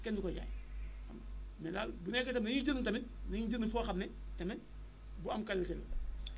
kenn du ko jaay xam nga mais daal bu nekkee tamit dañuy jënd tamit na ñuy jëndee foo xam ne tamit bu am qualité la